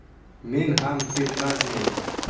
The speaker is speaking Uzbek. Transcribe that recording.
men ham ketmasmen